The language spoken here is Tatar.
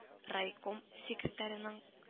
Райком секретареның ю